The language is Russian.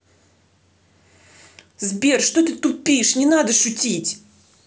сбер что ты тупишь не надо шутить